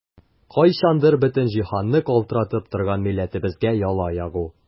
Кайчандыр бөтен җиһанны калтыратып торган милләтебезгә яла ягу!